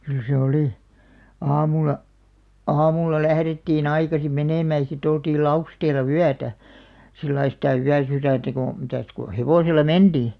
kyllä se oli aamulla aamulla lähdettiin aikaisin menemään ja sitten oltiin Lausteella yötä sillä lailla sitä yösydäntä kun mitäs kun hevosella mentiin